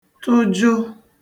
tụjụ